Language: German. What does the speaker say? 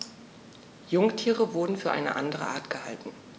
Jungtiere wurden für eine andere Art gehalten.